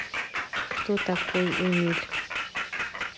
кто такой эмиль